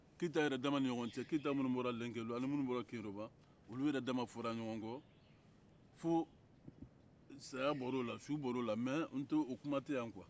keyita yɛrɛdama ni ɲɔgɔn keyita minnu bɔra lɛnkɛlo ani minnu bɔra keyoroba olu yɛrɛdama fɔra ɲɔgɔn kɔ fo saya bɔr'o la su bɔr'o la mɛ n t'o-o kuma tɛ yan kuwa